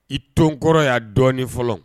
I t kɔrɔ y'a dɔɔnin fɔlɔ